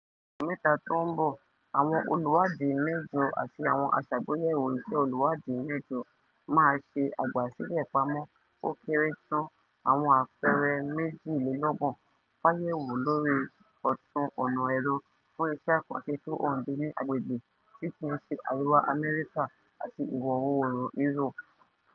Láàárín oṣù mẹ́ta tó ń bọ̀, àwọn olùwádìí mẹ́jọ àti àwọn aṣàgbéyẹ̀wò iṣẹ́ olùwádìí mẹ́jọ máa ṣe àgbàsìlẹ̀-pamọ́ ó kéré tán, àwọn àpeere fáyẹ̀wò 32 lórí ọ̀tun ọ̀nà ẹ̀rọ fún iṣẹ́ àkànṣe tó hànde ní agbègbè tí kìí ṣe Àríwá Amẹ́ríkà àti Ìwọ̀-oòrùn Europe.